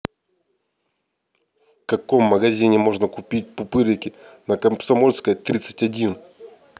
в каком магазине можно купить пупырки на комсомольская тридцать один